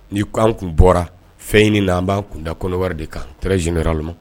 Ni ko an tun bɔra fɛn ɲini na an tun b'an kunda kɔrɔwari. de kan très generalement